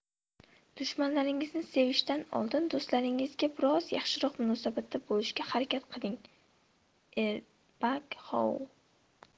dushmanlaringizni sevishdan oldin do'stlaringizga biroz yaxshiroq munosabatda bo'lishga harakat qiling edgar xou